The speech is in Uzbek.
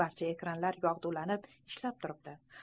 barcha ekranlar yog'dulanib ishlab turibdi